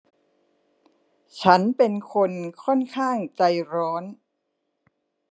ฉันเป็นคนข้อนข้างใจร้อน